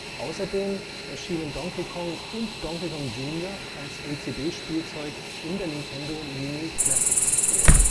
Außerdem erschienen Donkey Kong und Donkey Kong Jr. als LCD-Spielzeug in der Nintendo-Mini-Classics-Serie